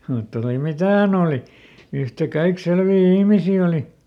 mutta oli mitä hän oli yhtäkaikki selviä ihmisiä oli